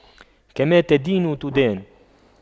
كما تدين تدان